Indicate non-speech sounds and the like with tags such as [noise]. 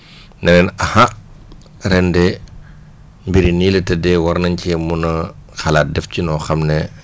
[breath] ne leen aha ren de mbir yi nii la tëddee war nañ cee mun a xalaat def ci noo xam ne